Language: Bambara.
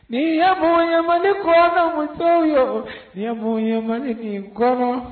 Ne yamu ɲa ko muso wo yamu ɲa nin kɔnɔ